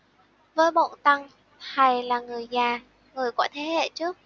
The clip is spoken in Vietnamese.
với bọn tân thầy là người già người của thế hệ trước